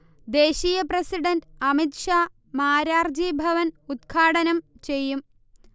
ദേശീയ പ്രെസിഡന്റ് അമിത്ഷാ മാരാർജി ഭവൻ ഉത്ഘാടനം ചെയ്യും